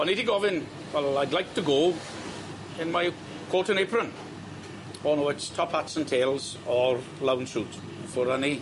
O'n i 'di gofyn well I'd like to go in my cotton apron. Oh no it's top ats an' tails or lounge suit ffwr' â ni.